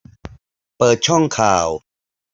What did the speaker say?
เปิดช่องข่าว